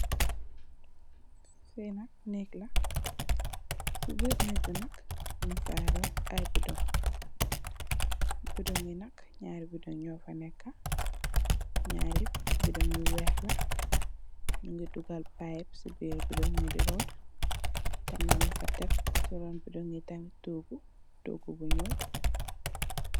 Fi nak nèk la ci biir nèk bi nak ñing fay rot ay bidong, bidong yi nak ñaari bidong ño fa nekka, ñaar yep bidong yu wèèx la. Ñi ngi dugal pipe ci biir bidong yi di rot , tamid ñing fa def ci ron bidong yi tóógu, tóógu yu ñuul.